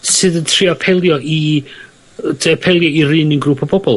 sydd yn trio apelio i yy trio apelio i'r un un grŵp bobol...